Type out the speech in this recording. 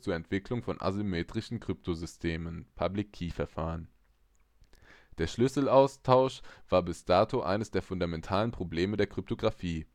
Entwicklung von asymmetrischen Kryptosystemen (Public-Key-Verfahren). Der Schlüsselaustausch war bis dato eines der fundamentalen Probleme der Kryptographie